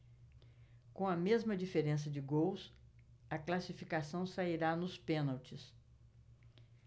com a mesma diferença de gols a classificação sairá nos pênaltis